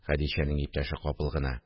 Хәдичәнең иптәше капыл гына: